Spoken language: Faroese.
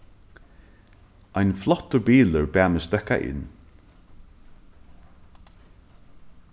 ein flottur bilur bað meg støkka inn